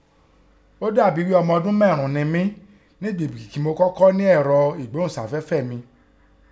Ọ́ dà bí ọni ghí i ọmọ ọdún mẹ́rùn ún ni mí nígbì kí mọ kọ́kọ́ ní ẹ̀rọ ìgbóhùnsáfẹ́fẹ́ẹ̀ mi.